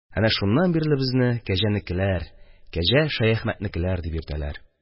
Әнә шуннан бирле безне «кәҗәнекеләр», «кәҗә Шаяхмәтнекеләр» дип йөртәләр.